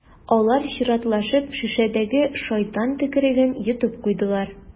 Алар чиратлашып шешәдәге «шайтан төкереге»н йотып куйдылар.